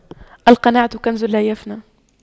القناعة كنز لا يفنى